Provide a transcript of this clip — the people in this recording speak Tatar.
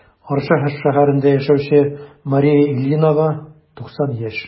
Арча шәһәрендә яшәүче Мария Ильинага 90 яшь.